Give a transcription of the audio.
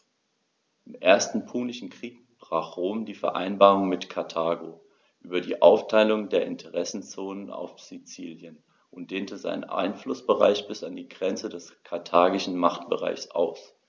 Im Ersten Punischen Krieg brach Rom die Vereinbarung mit Karthago über die Aufteilung der Interessenzonen auf Sizilien und dehnte seinen Einflussbereich bis an die Grenze des karthagischen Machtbereichs aus.